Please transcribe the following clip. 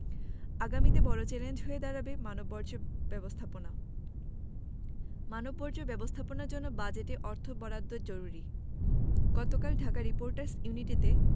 আগামীতে বড় চ্যালেঞ্জ হয়ে দাঁড়াবে মানববর্জ্য ব্যবস্থাপনা মানববর্জ্য ব্যবস্থাপনার জন্য বাজেটে অর্থ বরাদ্দ জরুরি গতকাল ঢাকা রিপোর্টার্স ইউনিটিতে